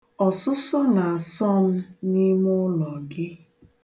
Ọsụsọ na-asọ m n'ime ụlọ gị.